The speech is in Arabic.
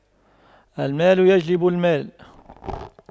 المال يجلب المال